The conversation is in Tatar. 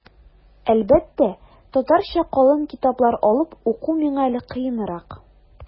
Әлбәттә, татарча калын китаплар алып уку миңа әле кыенрак.